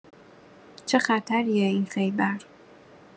چه خطریه این خیبر